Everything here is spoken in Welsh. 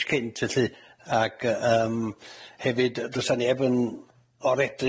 cynt felly ac yyy yym hefyd y- dosa neb yn- o'r edrych yn